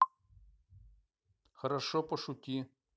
хорошо пошути